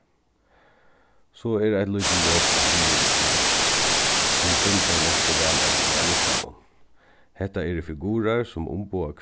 so er eitt lítið lop niður til tey til fimm tey næstu valevnini á listanum hetta eru figurar sum umboða